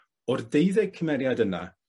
o'r ddeuddeg cymeriad yna,